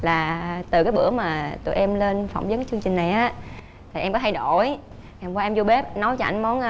là từ cái bữa mà tụi em lên phỏng vấn chương trình này á thì em có thay đổi hay vô bếp nấu cho ảnh món